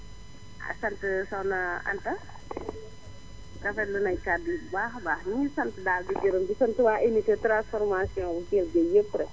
ah sant Soxna Anta rafetlu nañ kàddu yi bu baax a baax ñu ñu ngi sant daal di gërëm di sant waa unité transformation yu Kelle Gueye yépp rekk